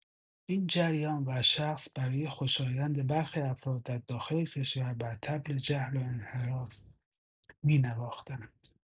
این جریان و شخص برای خوشایند برخی افراد در داخل کشور بر طبل جهل و انحراف می‌نواختند.